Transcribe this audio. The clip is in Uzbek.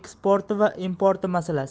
eksporti va importi masalasi